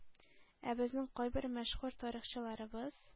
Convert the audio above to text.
Ә безнең кайбер мәшһүр “тарихчыларыбыз“